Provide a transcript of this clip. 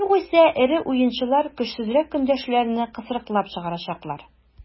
Югыйсә эре уенчылар көчсезрәк көндәшләрне кысрыклап чыгарачаклар.